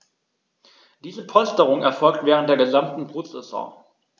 Diese Polsterung erfolgt während der gesamten Brutsaison.